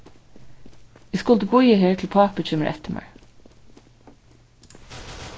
eg skuldi bíðað her til pápi kemur eftir mær